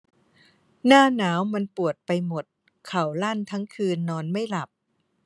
หน้าหนาวมันปวดไปหมดเข่าลั่นทั้งคืนนอนไม่หลับ